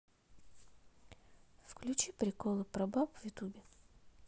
включи приколы про баб в ютубе